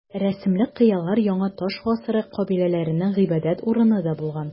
Рәсемле кыялар яңа таш гасыры кабиләләренең гыйбадәт урыны да булган.